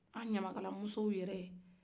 anw ɲamakalamusow yɛrɛ